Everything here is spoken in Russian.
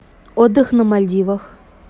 отдых на мальдивах